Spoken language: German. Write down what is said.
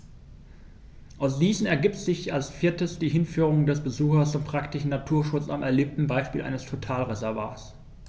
Aus diesen ergibt sich als viertes die Hinführung des Besuchers zum praktischen Naturschutz am erlebten Beispiel eines Totalreservats.